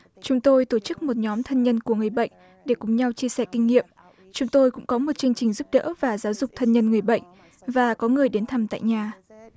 chúng tôi tổ chức một nhóm thân nhân của người bệnh để cùng nhau chia sẻ kinh nghiệm chúng tôi cũng có một chương trình giúp đỡ và giáo dục thân nhân người bệnh và có người đến thăm tại nhà